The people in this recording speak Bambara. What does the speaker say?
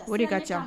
O de ka caa